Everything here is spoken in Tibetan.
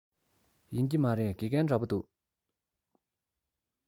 ཡིན གྱི མ རེད དགེ རྒན འདྲ པོ འདུག